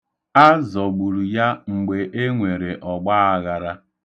A zọgburu ya mgbe e nwere ọgbaaghara.